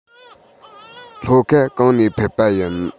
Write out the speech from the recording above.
ལྷོ ཁ གང ནས ཕེབས པ ཡིན